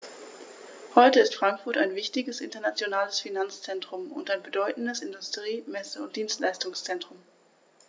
Heute ist Frankfurt ein wichtiges, internationales Finanzzentrum und ein bedeutendes Industrie-, Messe- und Dienstleistungszentrum.